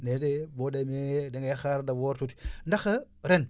léeg-léeg boo demee da ngay xaar d' abord tuuti ndax ren